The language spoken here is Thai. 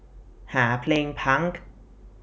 หาเพลงพังค์